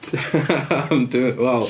Ond dwi'n- wel...